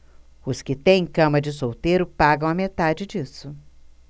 os que têm cama de solteiro pagam a metade disso